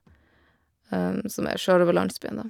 Som er sjølve landsbyen, da.